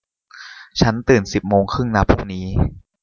ฉันตื่นสิบโมงครึ่งนะพรุ่งนี้